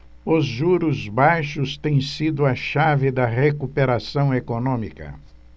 os juros baixos têm sido a chave da recuperação econômica